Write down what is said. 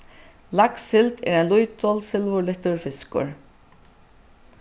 lakssild er ein lítil silvurlittur fiskur